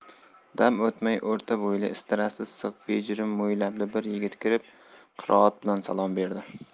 dam o'tmay o'rta bo'yli istarasi issiq bejirim mo'ylabli bir yigit kirib qiroat bilan salom berdi